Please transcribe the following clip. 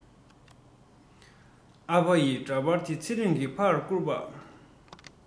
ཨ ཕ ཡི འདྲ པར དེ ཚེ རིང གི ཕར བསྐུར པ